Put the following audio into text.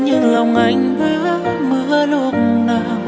nhưng lòng anh ướt mưa lúc nào